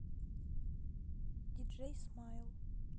диджей смайл